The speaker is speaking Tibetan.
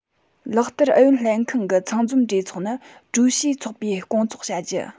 ལག བསྟར ཨུ ཡོན ལྷན ཁང གི ཚང འཛོམས གྲོས ཚོགས ནི ཀྲུའུ ཞིའི ཚོགས པས སྐོང འཚོགས བྱ རྒྱུ